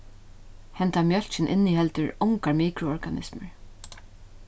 hendan mjólkin inniheldur ongar mikroorganismur